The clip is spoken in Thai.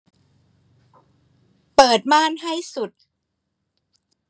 เปิดม่านให้สุด